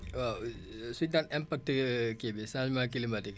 waaw sur la impact kii bi changement climatique